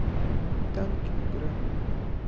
танки игра